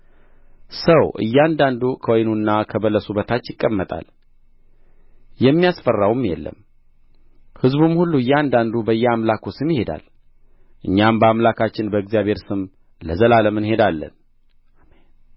ሰው እያንዳንዱ ከወይኑና ከበለሱ በታች ይቀመጣል የሚያስፈራውም የለም ሕዝብም ሁሉ እያንዳንዱ በየአምላኩ ስም ይሄዳል እኛም በአምላካችን በእግዚአብሔር ስም ለዘላለም እንሄዳለን